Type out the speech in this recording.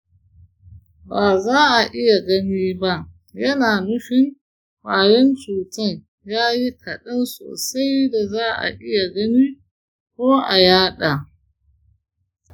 baza'a iya gani ba yana nufin ƙwayan cutan yayi ƙaɗan sosai da za'a iya gani ko a yaɗa.